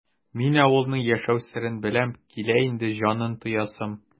Мин авылның яшәү серен беләм, килә инде җанын тоясым!